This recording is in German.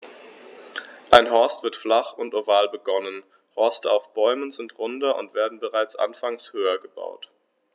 Ein Horst wird flach und oval begonnen, Horste auf Bäumen sind runder und werden bereits anfangs höher gebaut.